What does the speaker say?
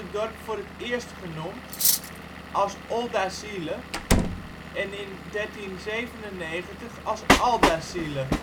dorp voor het eerst genoemd, als Oldazile en in 1397 als Aldazile